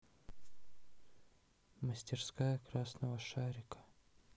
мастерская красного шарика